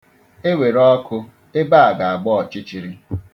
E were ọkụ, ebe a ga-agba ọchịchịrị.